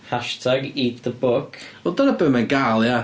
Hashtag eat the book... Wel dyna be ma'n gael, ia.